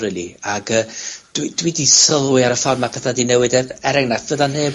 rili, ag yy, dwi dwi 'di sylwi ar y ffor ma' petha 'di newid er er enghraifft fydda' neb